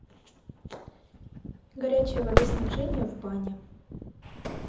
горячее водоснабжение в бане